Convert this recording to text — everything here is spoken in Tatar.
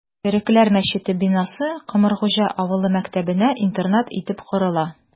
Төрекләр мәчете бинасы Комыргуҗа авылы мәктәбенә интернат итеп корыла...